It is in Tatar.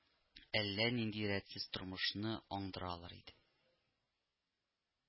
Әллә нинди рәтсез тормышны аңдыралар иде